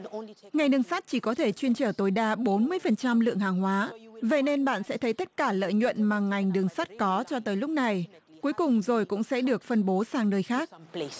ngày đường sắt chỉ có thể chuyên chở tối đa bốn mươi phần trăm lượng hàng hóa vậy nên bạn sẽ thấy tất cả lợi nhuận mà ngành đường sắt có cho tới lúc này cuối cùng rồi cũng sẽ được phân bố sang nơi khác